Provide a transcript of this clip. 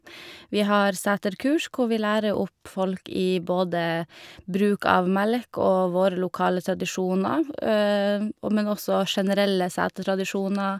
Vi har seterkurs hvor vi lærer opp folk i både bruk av melk og våre lokale tradisjoner og Men også generelle setertradisjoner.